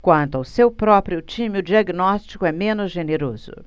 quanto ao seu próprio time o diagnóstico é menos generoso